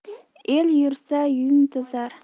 el yursa yung to'zar